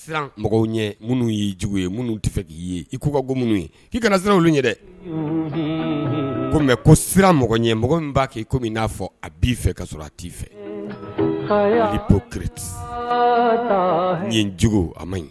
Mɔgɔw ɲɛ minnu y'i jugu ye minnu fɛ k'i ye i k'u ka bɔ ye k'i kana z ye dɛ ko sira mɔgɔ ɲɛ mɔgɔ min b'a kɛ komi n'a fɔ a b'i fɛ ka sɔrɔ a t'i fɛ' ko kiti nin yejugu a man ɲi